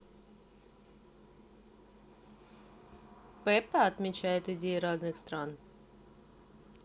пеппа отмечает идеи разных стран